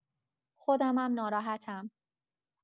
خودمم ناراحتم